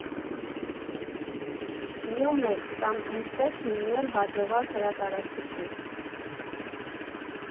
Նյումեգ կամ ինչպե՞ս հիմնել հաջողակ հրատարակչություն։